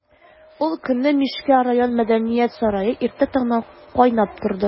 Ул көнне Мишкә район мәдәният сарае иртә таңнан кайнап торды.